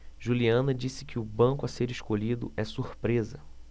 juliana disse que o banco a ser escolhido é surpresa